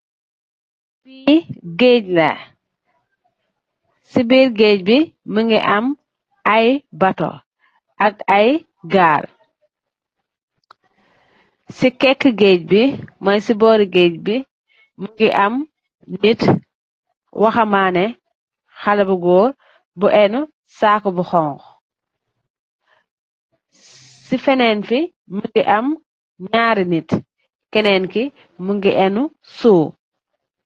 Li gaage la si birr gaage bi mogi am ay bato ak ay gaal si peki gaage bi moi si bori gaage bi mogi am niit wahabaneh xaleh bu goor bu ennu saku bu xonxu si fenen si mogi am naari niit kenen ki mogi ennu siwoo.